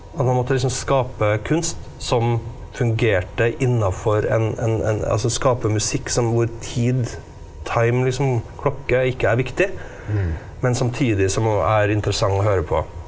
at man måtte liksom skape kunst som fungerte innafor en en en, altså skape musikk som hvor tid time liksom klokke ikke er viktig men samtidig som man er interessant å høre på.